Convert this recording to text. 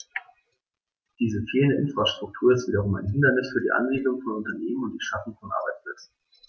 Diese fehlende Infrastruktur ist wiederum ein Hindernis für die Ansiedlung von Unternehmen und die Schaffung von Arbeitsplätzen.